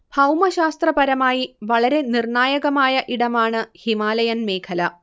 ഭൗമശാസ്ത്രപരമായി വളരെ നിർണായകമായ ഇടമാണ് ഹിമാലയൻ മേഖല